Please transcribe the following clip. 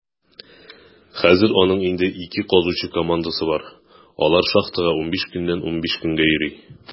Хәзер аның инде ике казучы командасы бар; алар шахтага 15 көннән 15 көнгә йөри.